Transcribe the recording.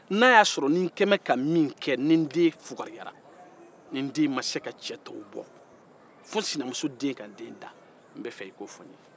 n'a ya sɔrɔ ni n kɛlen bɛ ka min kɛ ni n den fugariyara ni n den ma se ka cɛ tɔw bɔ fo n sinimuso den ka n den dan n bɛ fɛ e k'o fɔ ye